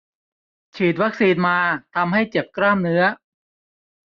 ฉีดวัคซีนมาทำให้เจ็บกล้ามเนื้อ